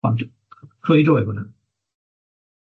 Ond clwydo oedd hwnna.